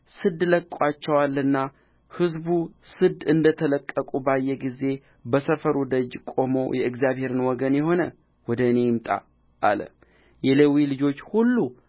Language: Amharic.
ስድ ለቅቋቸዋልና ሕዝቡ ስድ እንደ ተለቀቁ ባየ ጊዜ በሰፈሩ ደጅ ቆሞ የእግዚአብሔር ወገን የሆነ ወደ እኔ ይምጣ አለ የሌዊም ልጆች ሁሉ